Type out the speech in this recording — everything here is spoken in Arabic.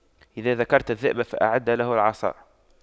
إذا ذكرت الذئب فأعد له العصا